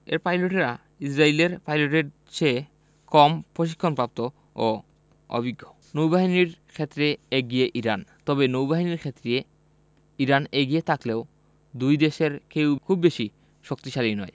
এর পাইলটেরা ইসরায়েলের পাইলটের চেয়ে কম প্রশিক্ষণপ্রাপ্ত ও অভিজ্ঞ নৌবাহিনীর ক্ষেত্রে এগিয়ে ইরান তবে নৌবাহিনীর ক্ষেত্রে ইরান এগিয়ে থাকলেও দুই দেশের কেউই খুব বেশি শক্তিশালী নয়